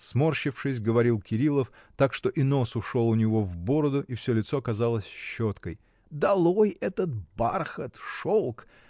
— сморщившись, говорил Кирилов, так что и нос ушел у него в бороду и всё лицо казалось щеткой. — Долой этот бархат, шелк!